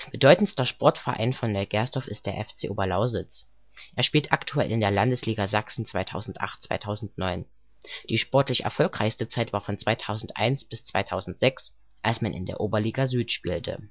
Bedeutendster Sportverein von Neugersdorf ist der FC Oberlausitz. Er spielt aktuell in der Landesliga Sachsen (2008/2009). Die sportlich erfolgreichste Zeit war von 2001-2006, als man in der Oberliga Süd spielte